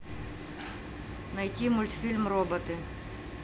найти мультфильм роботы